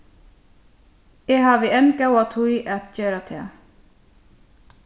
eg havi enn góða tíð at gera tað